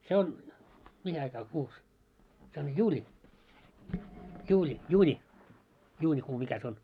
se on mihin aikaan kuussa se on juuli juuli juuni juunikuu mikä se on